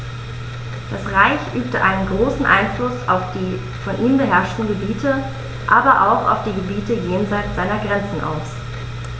Das Reich übte einen großen Einfluss auf die von ihm beherrschten Gebiete, aber auch auf die Gebiete jenseits seiner Grenzen aus.